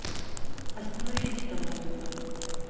остановить эта музыка